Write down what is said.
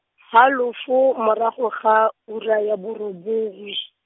halofo morago ga, ura ya borobongwe.